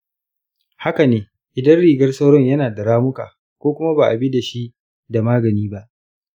haka ne, idan rigar sauron yana da ramuka ko kuma ba a bi da shi da magani ba.